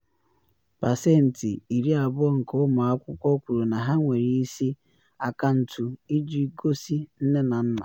Pasentị iri abụọ nke ụmụ akwụkwọ kwuru na ha nwere “isi” akaụntụ iji gosi nne na nna